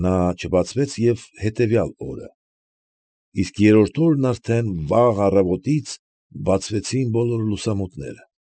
Նա չբացվեց և հետևյալ օրերը, իսկ երրորդ օրն արդեն վաղ առավոտից բացվեցին բոլոր լուսամուտնեը։